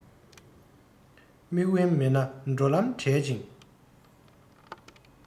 དམིགས འབེན མེད ན འགྲོ ལམ བྲལ ཅིང